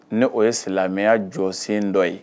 Ne o ye silamɛya jɔ sen dɔ ye